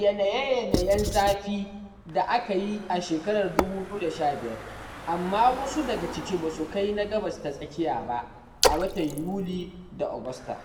yanaye-yanayen zafi da aka yi a shekarar 2015, amma wasu daga ciki ba su kai na Gabas ta Tsakiya ba a watan Yuli da Agusta.